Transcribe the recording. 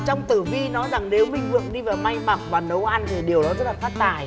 trong tử vi nói rằng nếu minh vượng đi vào may mặc và nấu ăn thì điều đó rất là phát tài